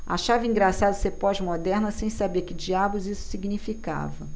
achava engraçado ser pós-moderna sem saber que diabos isso significava